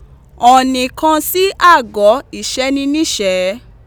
ọ̀nì kan sí àgọ́ ìṣẹ́niníṣẹ̀ẹ́.